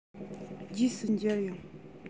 རྗེས སུ མཇལ ཡོང